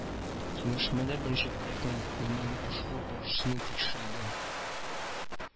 Киңәшмәдә берничә проектны гамәлгә ашыру барышны тикшерелде